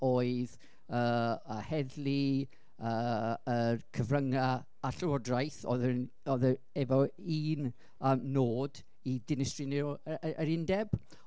Oedd y y heddlu, yy yr cyfryngau a'r Llywodraeth oedd yn oedd yy efo un nod i dinistrinio y y yr undeb.